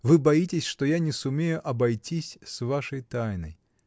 Вы боитесь, что я не сумею обойтись с вашей тайной.